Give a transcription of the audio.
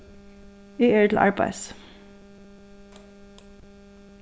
eg eri til arbeiðis